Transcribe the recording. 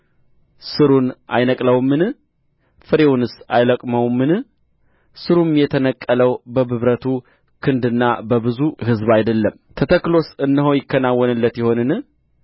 ሥሩን አይነቅለውምን ፍሬውንስ አይለቅመውምን ሥሩም የተነቀለው በብርቱ ክንድና በብዙ ሕዝብ አይደለም ተተክሎስ እነሆ ይከናወንለት ይሆንን